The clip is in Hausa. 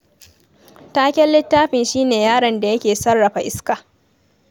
Taken littafin shi ne 'Yaron da Yake Sarrafa Iska.